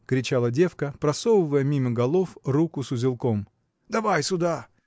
– кричала девка, просовывая мимо голов руку с узелком. – Давай сюда!